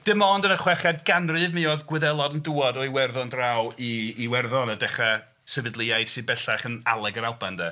Dim ond yn y chweched ganrif mi oedd Gwyddelodd yn dŵad o Iwerddon draw i i Iwerddon a dechrau sefydlu iaith sy'n bellach yn Aleg yr Alban de.